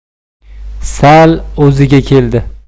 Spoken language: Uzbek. sal o'ziga keldi